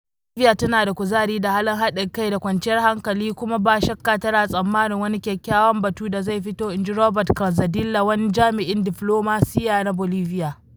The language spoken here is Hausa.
"Bolivia tana da kuzari, da halin haɗin kai da kwanciyar hankali, kuma ba shakka tana tsammanin wani kyakkyawan batu da zai fito,” inji Roberto Calzadilla, wani jami’in diflomasiyya na Bolivia.